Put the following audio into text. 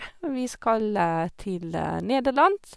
Vi skal til Nederland.